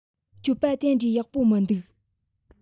སྤྱོད པ དེ འདྲའི ཡག པོ མི འདུག